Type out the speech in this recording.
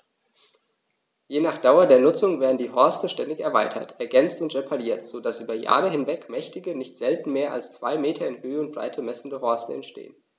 Je nach Dauer der Nutzung werden die Horste ständig erweitert, ergänzt und repariert, so dass über Jahre hinweg mächtige, nicht selten mehr als zwei Meter in Höhe und Breite messende Horste entstehen.